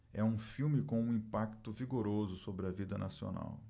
é um filme com um impacto vigoroso sobre a vida nacional